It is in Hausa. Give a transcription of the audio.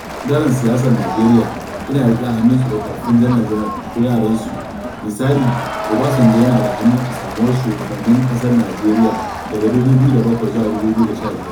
ɓangaren siyasar Najeriya yana riƙe a hannun tsofaffin janar-janar ko yaransu. Misali, Obasanjo, yana da hannu a samuwar shugabannin ƙasar Najeriya daga 2007 zuwa 2015.